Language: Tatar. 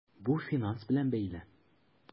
Бу финанс белән бәйле.